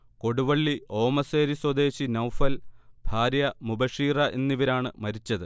കൊടുവളളി ഓമശ്ശേരി സ്വദേശി നൗഫൽ, ഭാര്യ മുബഷീറ എന്നിവരാണ് മരിച്ചത്